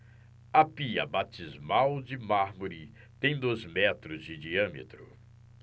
a pia batismal de mármore tem dois metros de diâmetro